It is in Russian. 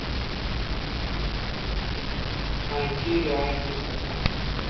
найти реальные пацаны